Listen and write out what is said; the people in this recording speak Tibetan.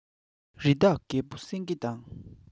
རི དྭགས རྒྱལ པོ སེང གེ དང